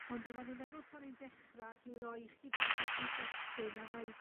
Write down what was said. Ond oddwn i'n meddwl sa ni'n dechra drw roi chydig bach o gyd-destun a ddai...